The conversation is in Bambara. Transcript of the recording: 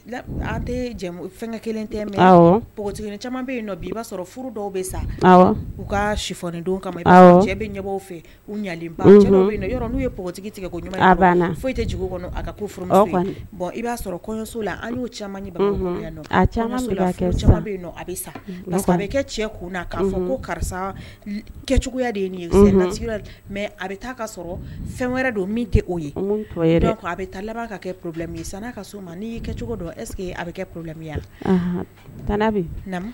An tɛ fɛnkɛ kelen tɛ min bɛ nɔ i b'a sɔrɔ furu dɔw bɛ sa u ka sifdenw kama cɛ bɛ ɲɛbaw fɛ ulen n'u ye p npogotigi tigɛ ko b'a la foyi tɛ kɔnɔ a ko i b'a sɔrɔ kɔɲɔso la an y cɛ a bɛ sa bɛ kɛ cɛ kaa fɔ ko karisacogoya de mɛ a bɛ taa ka sɔrɔ fɛn wɛrɛ don min kɛ' ye a bɛ taa laban ka kɛlɛmi n'a ka so ma n'i' kɛcogo dɔn ɛseke a bɛ kɛlɛmi